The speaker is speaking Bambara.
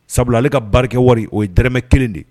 Sabula ale ka barika kɛ wari o ye tmɛ kelen de ye